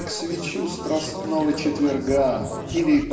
как свечу Страстного четверга или